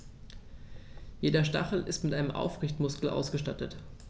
Jeder Stachel ist mit einem Aufrichtemuskel ausgestattet.